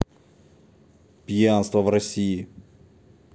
пьянство в россии